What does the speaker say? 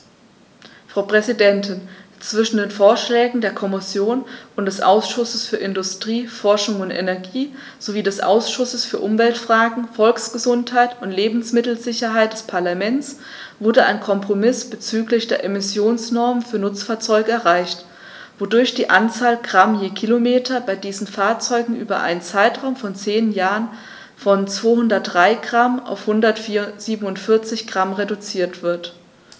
Frau Präsidentin, zwischen den Vorschlägen der Kommission und des Ausschusses für Industrie, Forschung und Energie sowie des Ausschusses für Umweltfragen, Volksgesundheit und Lebensmittelsicherheit des Parlaments wurde ein Kompromiss bezüglich der Emissionsnormen für Nutzfahrzeuge erreicht, wodurch die Anzahl Gramm je Kilometer bei diesen Fahrzeugen über einen Zeitraum von zehn Jahren von 203 g auf 147 g reduziert wird.